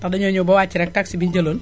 ndax dañoo ñëw ba wàcc rekk taxi bi ñu jëloon